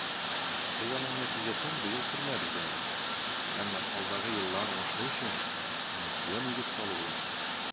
Без аның нәтиҗәсен быел күрмәбез дә әле, әмма алдагы еллар уңышы өчен бу ныклы нигез салу булачак.